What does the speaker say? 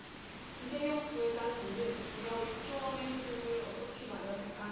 이재용 부회장 등은 무려 육 조 원의 세금을 어떻게 마련할까